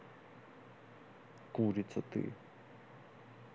курица ты